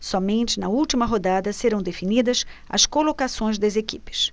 somente na última rodada serão definidas as colocações das equipes